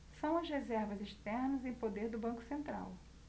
são as reservas externas em poder do banco central